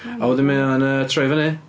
A wedyn mae o'n yy troi fyny.